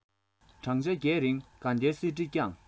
བགྲང བྱ བརྒྱད རིང དགའ ལྡན གསེར ཁྲི བསྐྱངས